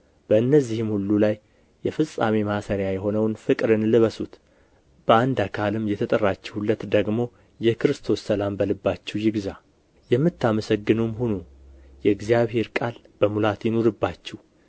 በእነዚህም ሁሉ ላይ የፍጻሜ ማሰሪያ የሆነውን ፍቅርን ልበሱት በአንድ አካልም የተጠራችሁለት ደግሞ የክርስቶስ ሰላም በልባችሁ ይግዛ የምታመሰግኑም ሁኑ የእግዚአብሔር ቃል በሙላት ይኑርባችሁ